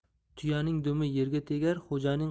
tuyaning dumi yerga tegar